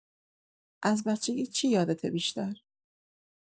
از بچگی چی یادته بیشتر؟